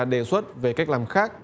đề xuất về cách làm khác